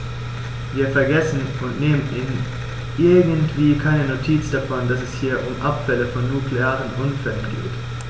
Wir vergessen, und nehmen irgendwie keine Notiz davon, dass es hier um Abfälle von nuklearen Unfällen geht.